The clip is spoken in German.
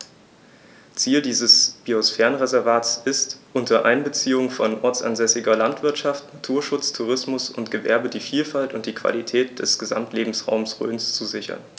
Ziel dieses Biosphärenreservates ist, unter Einbeziehung von ortsansässiger Landwirtschaft, Naturschutz, Tourismus und Gewerbe die Vielfalt und die Qualität des Gesamtlebensraumes Rhön zu sichern.